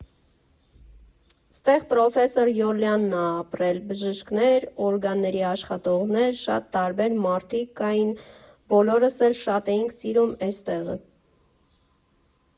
Ստեղ պրոֆեսոր Յոլյանն ա ապրել, բժիշկներ, օրգանների աշխատողներ, շատ տարբեր մարդիկ կային, բոլորս էլ շատ էինք սիրում էս տեղը։